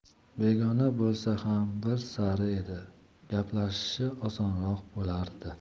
begona bo'lsa ham bir sari edi gaplashishi osonroq bo'lardi